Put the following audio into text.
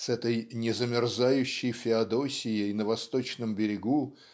с этой "незамерзающей Феодосией на восточном берегу"